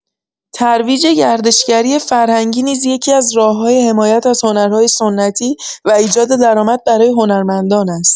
ترویج گردشگری فرهنگی نیز یکی‌از راه‌های حمایت از هنرهای سنتی و ایجاد درآمد برای هنرمندان است.